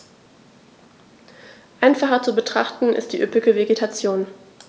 Einfacher zu betrachten ist die üppige Vegetation.